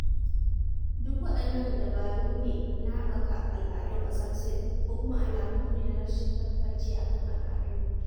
Duk waɗannan dabaru ne na haɓaka al'adun ƙasar Sin ko kuma alamu ne na rashin tabbaci a kan al'adun mutum?